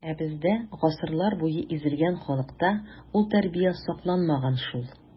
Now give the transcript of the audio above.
Ә бездә, гасырлар буе изелгән халыкта, ул тәрбия сакланмаган шул.